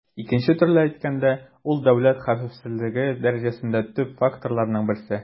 Икенче төрле әйткәндә, ул дәүләт хәвефсезлеге дәрәҗәсендәге төп факторларның берсе.